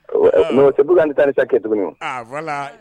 B ni tan nisa kɛ tuguni